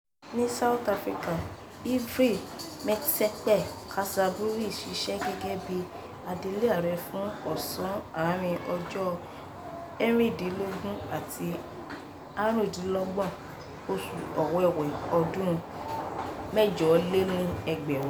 Ní South Africa, Ivy Matsepe-Cassaburi, ṣiṣẹ́ gẹ́gẹ́ bíi adelé ààrẹ fún ọ̀sán àárín ọjọ́ 24 àti 25 oṣù Ọ̀wẹ̀wẹ̀, ọdún 2008.